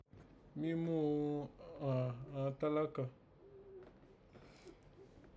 Mí mú ghún àghan tálákà